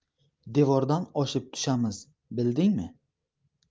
devordan oshib tushamiz bildingmi